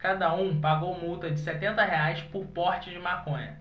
cada um pagou multa de setenta reais por porte de maconha